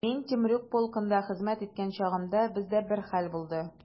Мин Темрюк полкында хезмәт иткән чагымда, бездә бер хәл булды.